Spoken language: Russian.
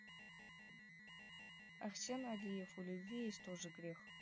арсен алиев у любви есть тоже грех